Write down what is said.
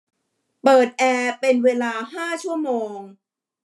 เปิดแอร์เป็นเวลาห้าชั่วโมง